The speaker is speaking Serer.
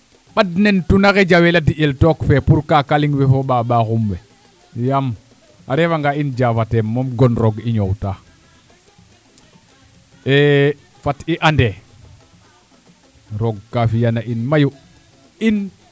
baɗ nen tun axe jawel a diƴel pour kaaKalin we fo ɓaaɓaaxum we yaam a refanga in jaafat we moom gon roog i ñoowta e fat i and ee roog kaa fi'an a in mayu in